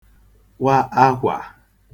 kwa akwà